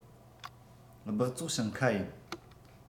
སྦགས བཙོག ཞིང ཁ ཡིན